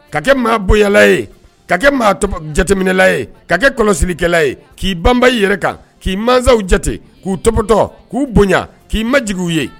Ka kɛ maa bonyala ye ka kɛ maa jateminɛla ye ka kɛ kɔlɔsikɛlala ye k'i banba i yɛrɛ kan k'i mansaw jate k'u toptɔ k'u bonya k'i majw ye